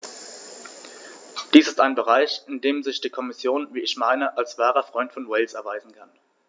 Dies ist ein Bereich, in dem sich die Kommission, wie ich meine, als wahrer Freund von Wales erweisen kann.